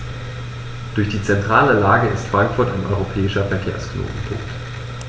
Durch die zentrale Lage ist Frankfurt ein europäischer Verkehrsknotenpunkt.